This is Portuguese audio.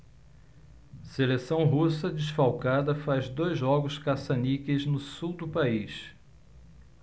seleção russa desfalcada faz dois jogos caça-níqueis no sul do país